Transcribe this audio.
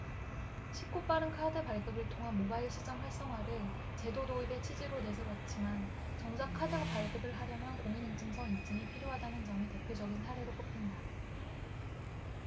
쉽고 빠른 카드 발급을 통한 모바일 시장 활성화를 제도 도입의 취지로 내세웠지만 정작 카드 발급을 하려면 공인인증서 인증이 필요하다는 점이 대표적인 사례로 꼽힌다